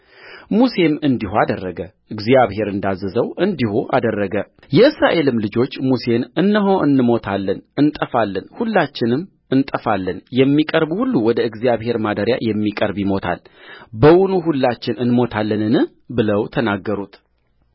ሙሴም እንዲሁ አደረገ እግዚአብሔር እንዳዘዘው እንዲሁ አደረገየእስራኤልም ልጆች ሙሴንእነሆ እንሞታለን እንጠፋለን ሁላችንም እንጠፋለንየሚቀርብ ሁሉ ወደ እግዚአብሔር ማደሪያ የሚቀርብ ይሞታል በውኑ ሁላችን እንሞታለንን ብለው ተናገሩት